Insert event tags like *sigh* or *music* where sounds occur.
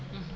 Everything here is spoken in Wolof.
*hesitation* *hesitation*